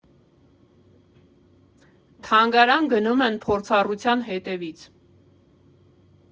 Թանգարան գնում են փորձառության հետևից։